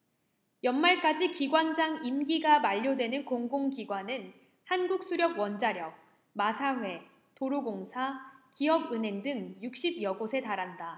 연말까지 기관장 임기가 만료되는 공공기관은 한국수력원자력 마사회 도로공사 기업은행 등 육십 여곳에 달한다